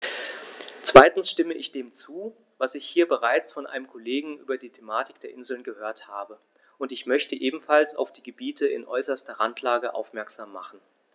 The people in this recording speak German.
Zweitens stimme ich dem zu, was ich hier bereits von einem Kollegen über die Thematik der Inseln gehört habe, und ich möchte ebenfalls auf die Gebiete in äußerster Randlage aufmerksam machen.